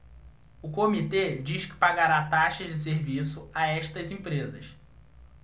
o comitê diz que pagará taxas de serviço a estas empresas